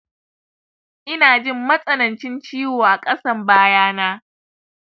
inajin matsanancin ciwo a kasan baya na